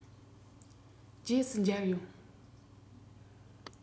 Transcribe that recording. རྗེས སུ མཇལ ཡོང